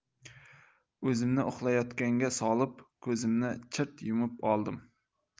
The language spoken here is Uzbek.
o'zimni uxlayotganga solib ko'zimni chirt yumib oldim